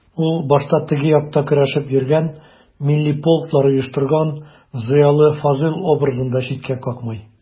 Ул башта «теге як»та көрәшеп йөргән, милли полклар оештырган зыялы Фазыйл образын да читкә какмый.